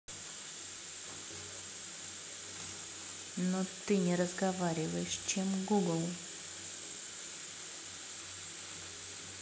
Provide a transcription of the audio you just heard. ну ты не разговариваешь чем google